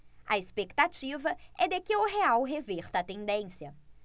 a expectativa é de que o real reverta a tendência